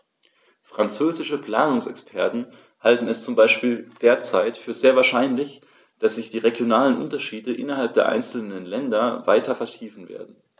Französische Planungsexperten halten es zum Beispiel derzeit für sehr wahrscheinlich, dass sich die regionalen Unterschiede innerhalb der einzelnen Länder weiter vertiefen werden.